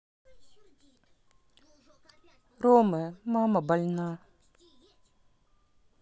rome мама больна